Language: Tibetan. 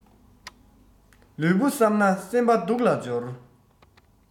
ལུས པོ བསམས ན སེམས པ སྡུག ལ སྦྱོར